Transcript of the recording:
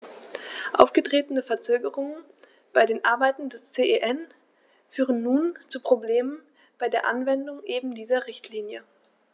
Aufgetretene Verzögerungen bei den Arbeiten des CEN führen nun zu Problemen bei der Anwendung eben dieser Richtlinie.